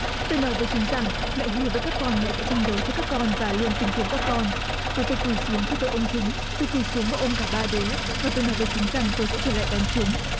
tôi nói với chúng rằng mẹ hứa với các con sẽ tranh đấu cho các con và luôn tìm kiếm các con và tôi quỳ xuống khi tôi ôm chúng tôi quỳ xuống và ôm cả ba đứa và tôi nói với chúng rằng tôi sẽ trở lại đón chúng